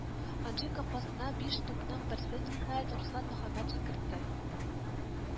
Анжи капкасына биш тупның берсен, ниһаять, Руслан Мөхәммәтшин кертте